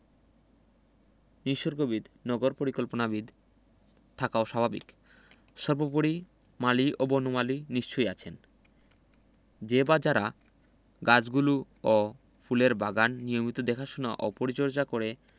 নিসর্গবিদ নগর পরিকল্পনাবিদ থাকাও স্বাভাবিক সর্বোপরি মালি ও বনমালী নিশ্চয়ই আছেন যে বা যারা গাছগুলো ও ফুলের বাগান নিয়মিত দেখাশোনা ও পরিচর্যা করে